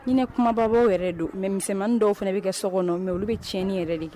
Iinɛ kumababaw yɛrɛ don mɛ dɔw fana bɛ kɛ so kɔnɔ mɛ olu bɛ cɛnɲɛni yɛrɛ de